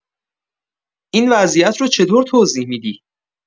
این وضعیت رو چطور توضیح می‌دی؟